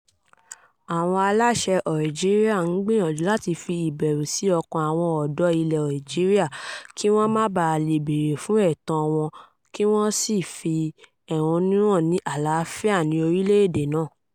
"Àwọn aláṣẹ Algeria ń gbìyànjú láti fi ìbẹ̀rù sí ọkàn àwọn ọ̀dọ́ ilẹ̀ Algeria kí wọ́n má baà le bèèrè fún ẹ̀tọ́ wọn kí wọ́n sì fẹ̀hónú hàn ní àlàáfíà ní orílẹ̀-èdè náà.